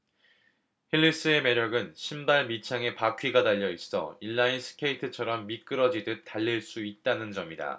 힐리스의 매력은 신발 밑창에 바퀴가 달려 있어 인라인스케이트처럼 미끄러지듯 달릴 수 있다는 점이다